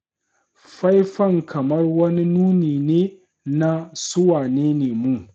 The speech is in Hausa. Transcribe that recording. Faifan kamar wani nuni ne na su wane ne mu.”